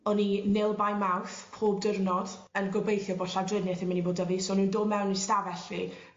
o'n i nil by mouth pob diwrnod yn gobeithio bo' llawdrinieth yn myn' i bod 'dy fi so o' nw'n dod mewn i stafell fi